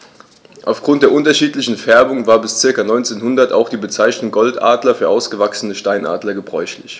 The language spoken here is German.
Auf Grund der unterschiedlichen Färbung war bis ca. 1900 auch die Bezeichnung Goldadler für ausgewachsene Steinadler gebräuchlich.